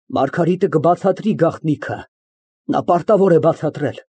Մարգարիտը կբացատրի գաղտնիքը։ Նա պարտավոր է բացատրել։